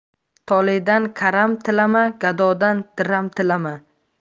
toledan karam tilama gadodan diram tilama